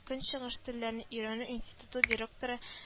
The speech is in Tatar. Көнчыгыш телләрне өйрәнү институты директоры